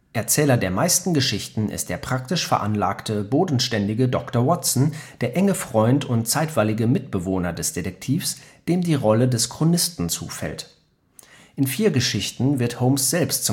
Erzähler der meisten Geschichten ist der praktisch veranlagte, bodenständige Dr. Watson, der enge Freund und zeitweilige Mitbewohner des Detektivs, dem die Rolle des Chronisten zufällt. In vier Geschichten wird Holmes selbst